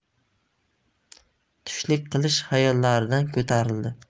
tushlik qilish xayollaridan ko'tarildi